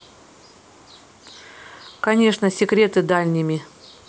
конечно секреты дальними